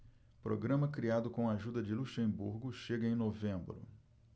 programa criado com a ajuda de luxemburgo chega em novembro